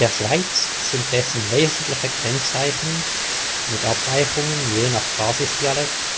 Schweiz sind dessen wesentliche Kennzeichen (mit Abweichungen, je nach Basisdialekt